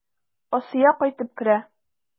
Асия кайтып керә.